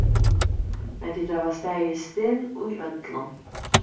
men tit hava staðið stinn í øllum